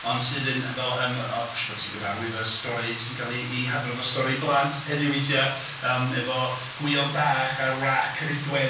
Ond sydd yn hefo yym... o siŵr bod ti'n gyfarwydd y stori sy'n cael ei ei hadrodd fel stori i blant heddiw weithiau yym efo Gwion bach a'r wrach Ceridwen.